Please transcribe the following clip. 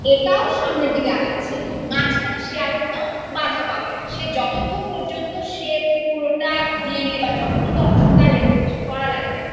এটাও সামনের দিকে আগাচ্ছে মাঝখানে সে আর কোন বাধা পাবে না সে যতক্ষণ পর্যন্ত সে পুরোটা ডি এন এ বা যত টুকু অংশ তার রেপ্লিকেশন করা লাগবে